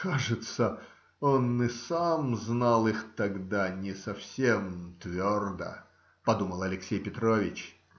"Кажется, он и сам знал их тогда не совсем твердо", - подумал Алексей Петрович.